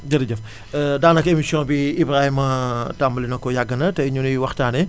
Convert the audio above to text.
jërëjëf daanaka émission bi Ibrahima tàmbali na ko yàgg na tay ñu ngi waxtaanee